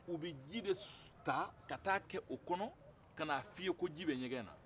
u bɛ ji de taa ka taa kɛ o kɔnɔ ka na f'i ye ko ji bɛ ɲegɛn na